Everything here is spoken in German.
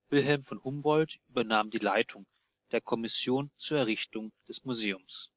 Wilhelm von Humboldt übernahm die Leitung der Kommission zur Errichtung des Museums